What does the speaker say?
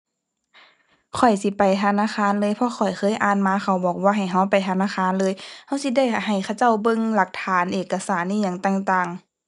ข้อยสิไปธนาคารเลย เพราะข้อยเคยอ่านมาเขาบอกว่าให้เราไปธนาคารเลย เราสิได้หะให้เขาเจ้าเบิ่งหลักฐานเอกสารอิหยังต่างต่าง